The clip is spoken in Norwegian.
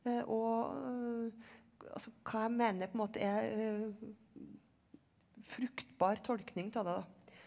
og altså hva jeg mener på en måte er fruktbar tolkning av det da.